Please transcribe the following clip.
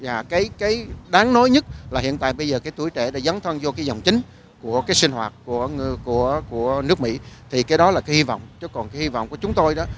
và cái cái đáng nói nhất là hiện tại bây giờ cái tuổi trẻ đã dấn thân dô cái dòng chính của cái sinh hoạt của ngừ của của nước mỹ thì cái đó là hy vọng chứ còn hy vọng của chúng tôi đó